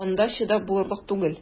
Анда чыдап булырлык түгел!